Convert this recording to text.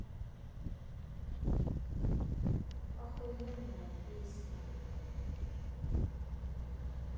ахуенная песня